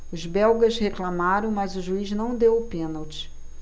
os belgas reclamaram mas o juiz não deu o pênalti